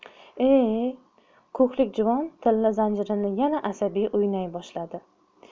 e ko'hlik juvon tilla zanjirini yana asabiy o'ynay boshladi